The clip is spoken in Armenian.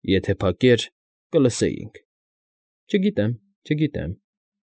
Եթե փակեր, կլսեինք։ ֊ Չգիտեմ, չգիտեմ։